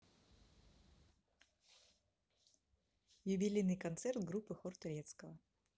юбилейный концерт группы хор турецкого